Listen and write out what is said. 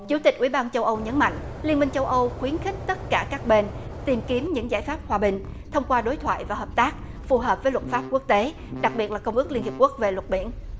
chủ tịch ủy ban châu âu nhấn mạnh liên minh châu âu khuyến khích tất cả các bên tìm kiếm những giải pháp hòa bình thông qua đối thoại và hợp tác phù hợp với luật pháp quốc tế đặc biệt là công ước liên hiệp quốc về luật biển